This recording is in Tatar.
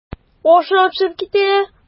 Ашыгып чыгып китә.